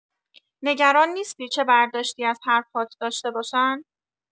نگران نیستی چه برداشتی از حرف‌هات داشته باشن؟